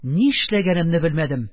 Ни эшләгәнемне белмәдем,